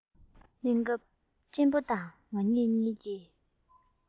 གླེང སྐབས གཅེན པོ དང ང གཉིས ཀྱིས